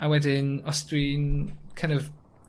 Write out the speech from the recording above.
a wedyn os dwi'n kin' of